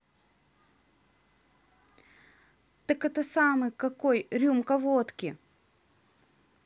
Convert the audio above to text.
так это самый какой рюмка водки